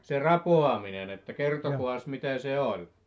se rapaaminen että kertokaas mitä se oli